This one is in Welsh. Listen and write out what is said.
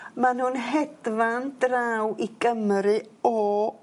ma' nw'n hedfan draw i Gymru o...